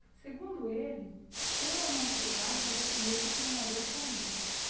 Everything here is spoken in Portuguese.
segundo ele ser ou não titular vai depender do treinador parreira